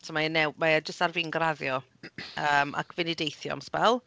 so mae e new- mae e jyst ar fin graddio yym ac fynd i deithio am sbêl.